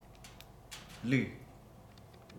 བླུག